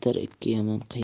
bitar ikki yomon qiyada